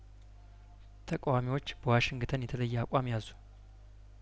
ተቃዋሚዎች በዋሽንግተን የተለየ አቋም ያዙ